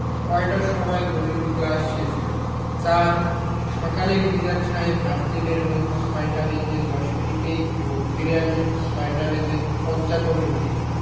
কয়টার সময় গণিত ক্লাস শেষ হয় ৪ সকালে মিজান সাহেব হাঁটতে বের হন ৬টা বেজে ১০ মিনিটে এবং ফিরে আসেন ৬টা বেজে পঞ্চান্ন মিনিটে